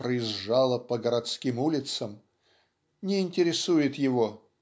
проезжала по городским улицам" не интересует его